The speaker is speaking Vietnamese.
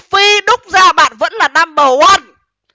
phi đúc ra bạn vẫn là năm bờ oăn